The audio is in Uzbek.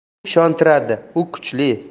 u ishontiradi u kuchli